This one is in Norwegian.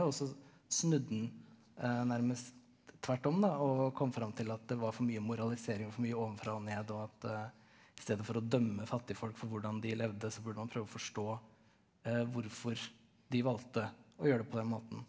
og så snudde han nærmest tvert om da og kom fram til at det var for mye moralisering var for mye ovenfra og ned og at i stedet for å dømme fattigfolk for hvordan de levde så burde man prøve forstå hvorfor de valgte å gjøre det på den måten.